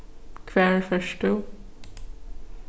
hvar fert tú